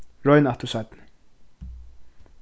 royn aftur seinni